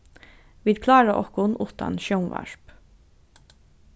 vit klára okkum uttan sjónvarp